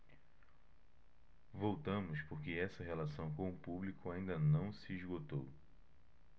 voltamos porque essa relação com o público ainda não se esgotou